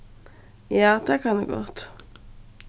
ja tað kann eg gott